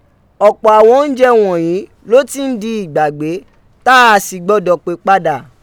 Ọ́pọ́ àwọn oúnjẹ wọ̀nyí ló ti ń di ìgbàgbé, táa sì gbọdọ̀ pè padà